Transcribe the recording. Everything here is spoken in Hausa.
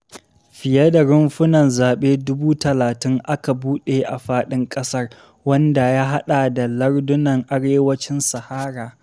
Fiye da rumfunan zaɓe 30.000 aka buɗe a faɗin ƙasar, wanda ya haɗa da lardunan Arewacin Sahara.